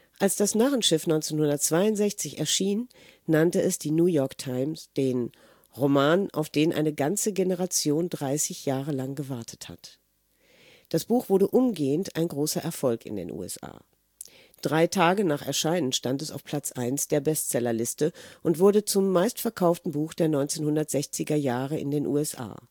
Als das Narrenschiff 1962 erschien, nannte es die New York Times den « Roman, auf den eine ganze Generation dreißig Jahre lang gewartet hat ». Das Buch wurde umgehend ein großer Erfolg in den USA: Drei Tage nach Erscheinen stand es auf Platz 1 der Bestsellerliste und wurde zum meistverkauften Buch der 1960er Jahre in den USA